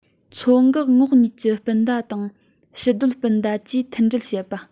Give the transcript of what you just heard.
མཚོ འགག ངོགས གཉིས ཀྱི སྤུན ཟླ དང ཕྱིར སྡོད སྤུན ཟླ བཅས མཐུན སྒྲིལ བྱེད པ